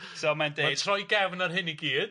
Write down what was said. So mae'n deud... Mae'n troi gefn ar hyn i gyd.